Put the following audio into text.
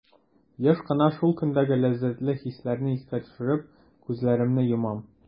Еш кына шул көндәге ләззәтле хисләрне искә төшереп, күзләремне йомам.